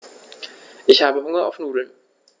Ich habe Hunger auf Nudeln.